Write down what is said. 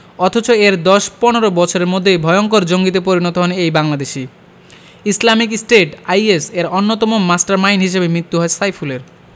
অথচ এর ১০ ১৫ বছরের মধ্যেই ভয়ংকর জঙ্গিতে পরিণত হন এই বাংলাদেশি ইসলামিক স্টেট আইএস এর অন্যতম মাস্টারমাইন্ড হিসেবে মৃত্যু হয় সাইফুলের